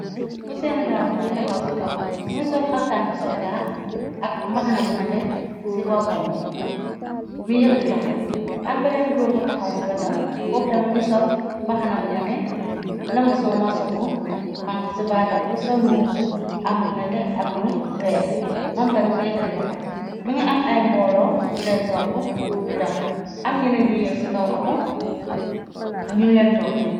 Ousain darboe mungi taxaw ci kaw, mi ngi sol xaftan bi sokola ak mbaxana bu nete ci boppambe , mi yekati loxam bi am beneen góor bu taxaw ci wetam, kookta mi ngi sol mbaxana bu nete, luma soo morso bu fanq ci baatam bi sol mbubukk am lu nete ak lu weex. moomta mu ngi yekkati loxam mi ngi am ay mboolo yu leen topp di dox, am ñenen yu yeg ci kaw outo ñu leen topp.